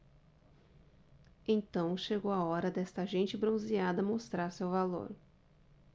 então chegou a hora desta gente bronzeada mostrar seu valor